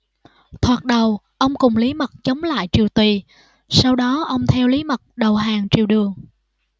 thoạt đầu ông cùng lý mật chống lại triều tùy sau đó ông theo lý mật đầu hàng triều đường